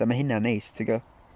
A mae hynna'n neis timod?